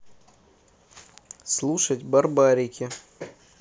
слушать барбарики